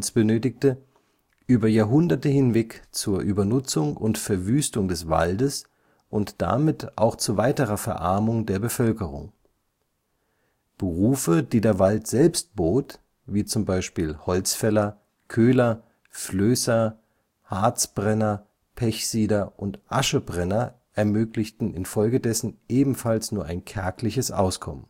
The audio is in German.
benötigte, über Jahrhunderte hinweg zur Übernutzung und Verwüstung des Waldes und damit auch zu weiterer Verarmung der Bevölkerung. Berufe, die der Wald selbst bot, wie z. B. Holzfäller, Köhler, Flößer, Harzbrenner (Pechsieder) und Aschebrenner ermöglichten infolgedessen ebenfalls nur ein kärgliches Auskommen